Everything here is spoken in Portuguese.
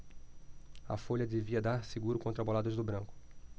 a folha devia dar seguro contra boladas do branco